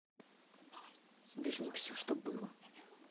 верни все что было